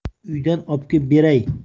uydan obkeb beray